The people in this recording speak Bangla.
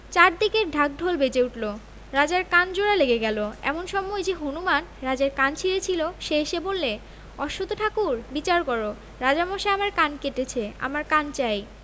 চারদিকে ঢাক ঢোল বেজে উঠল রাজার কান জোড়া লেগে গেল এমন সময় যে হনুমান রাজার কান ছিঁড়েছিল সে এসে বললেঅশ্বথ ঠাকুর বিচার কররাজামশায় আমার কান কেটেছে আমার কান চাই